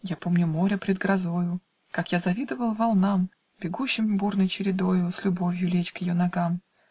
Я помню море пред грозою: Как я завидовал волнам, Бегущим бурной чередою С любовью лечь к ее ногам!